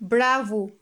bravo,